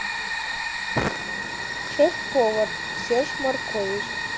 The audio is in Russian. шеф повар серж маркович